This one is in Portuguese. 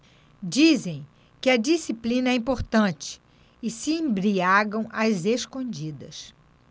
dizem que a disciplina é importante e se embriagam às escondidas